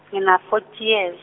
ngina forty years.